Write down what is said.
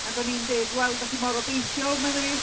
Ac o'n i'n "deud, wel, dach chi mor obeithiol", medda fi.